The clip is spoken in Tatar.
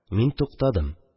Мин туктадым